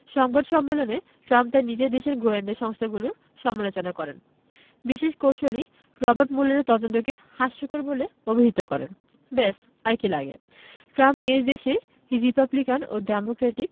সংবাদ সম্মেলনে ট্রাম্প তাঁর নিজ দেশের গোয়েন্দা সংস্থাগুলোর সমালোচনা করেন বিশেষ কৌঁসুলি রবার্ট ম্যুলারের তদন্তকে হাস্যকর বলে অভিহিত করেন ব্যস আর কী লাগে ট্রাম্প নিজ দেশে রিপাবলিকান ও ডেমোক্রেটিক